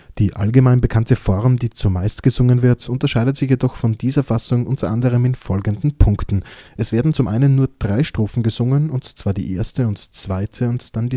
Die allgemein bekannte Form, die zumeist gesungen wird, unterscheidet sich jedoch von dieser Fassung unter anderem in folgenden Punkten: Es werden zum einen nur drei Strophen gesungen, und zwar die erste und zweite und dann